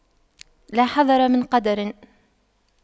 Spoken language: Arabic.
لا حذر من قدر